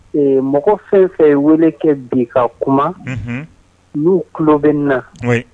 Mɔgɔ fɛn fɛn wele kɛ bi ka kuma n'u tulo bɛ na